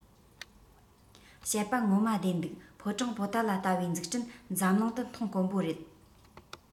བཤད པ ངོ མ བདེན འདུག ཕོ བྲང པོ ཏ ལ ལྟ བུའི འཛུགས སྐྲུན འཛམ གླིང དུ མཐོང དཀོན པོ རེད